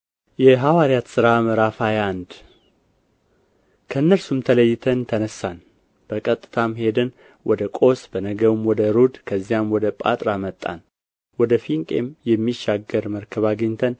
የሐዋርያት ሥራ ምዕራፍ ሃያ አንድ ከእነርሱም ተለይተን ተነሣን በቀጥታም ሄደን ወደ ቆስ በነገውም ወደ ሩድ ከዚያም ወደ ጳጥራ መጣን ወደ ፊንቄም የሚሻገር መርከብ አግኝተን